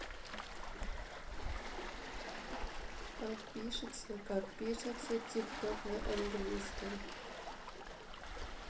как пишется как пишется тикток на английском